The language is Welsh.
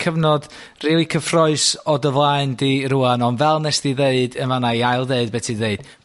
Cyfnod rili cyffrous o dy flaen di rŵan, ond fel nest ti ddweud yn fan 'na i ail-ddeud be' ti ddeud.